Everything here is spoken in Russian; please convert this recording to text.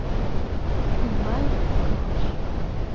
питбайк кросс